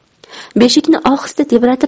beshikni ohista tebratib